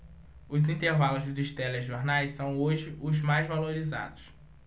os intervalos dos telejornais são hoje os mais valorizados